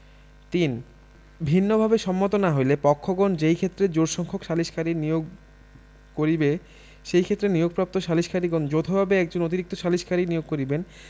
৩ ভিন্নভাবে সম্মত না হইলে পক্ষগণ যেইক্ষেত্রে জোড়সংখ্যক সালিসকারী নিয়েঅগ করিবে সেইক্ষেত্রে নিয়োগপ্রাপ্ত সালিসকারীগণ যৌথভাবে একজন অতিরিক্ত সালিসকারী নিয়োগ করিবেন